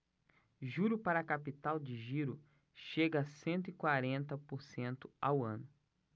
juro para capital de giro chega a cento e quarenta por cento ao ano